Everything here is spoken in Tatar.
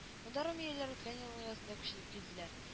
Монда Румияләр үткән елның язында күченеп килделәр